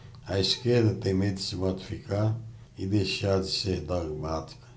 a esquerda tem medo de se modificar e deixar de ser dogmática